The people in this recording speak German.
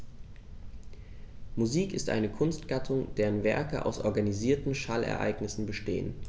Musik ist eine Kunstgattung, deren Werke aus organisierten Schallereignissen bestehen.